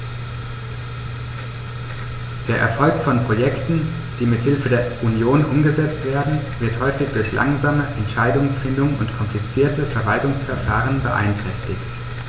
Der Erfolg von Projekten, die mit Hilfe der Union umgesetzt werden, wird häufig durch langsame Entscheidungsfindung und komplizierte Verwaltungsverfahren beeinträchtigt.